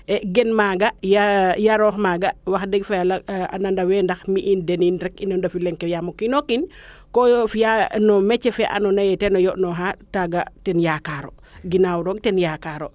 e gen maaga yaroox maaga wax deg fa yala a nanda me in deniin rek ino ndefu leŋ ke yaam o kiino kiin ko fiya no metier fe ando naye teno yond nooxa kaaga ten yakaro ginaaw roog ten yakaro